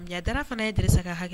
Nga Dara fana ye Dirisa ka hakɛ